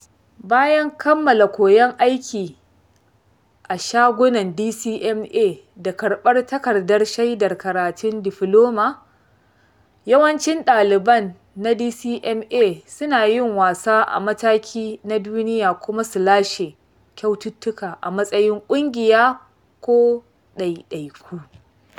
Bayan kammala koyan aiki a shagunan DCMA da karɓar takardar shaidar karatun difloma, yawancin ɗaliban na DCMA su na yin wasa a mataki na duniya kuma su lashe kyaututtuka a matsayin ƙungiya ko ɗaiɗaiku.